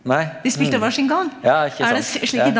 nei ja ikkje sant ja.